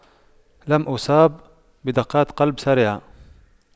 لم اصاب بدقات قلب سريعة